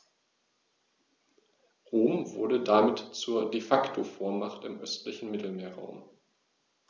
Rom wurde damit zur ‚De-Facto-Vormacht‘ im östlichen Mittelmeerraum.